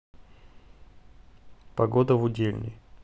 погода в удельной